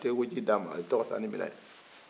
a bi sɔrɔ ka tɛgɛ ko ji di a ma a bi sɔrɔ ka taa ni mina ye